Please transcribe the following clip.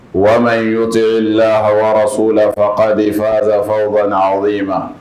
Wara in ɲɔote lawaso lafa ka de fasafaw banna o ma